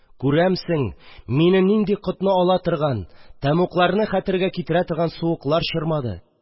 Күрәмсең, мине нинди котны ала торган, тәмугларны хәтергә китерә торган суыклар чорнады